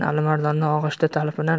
alimardonning og'ushida talpinar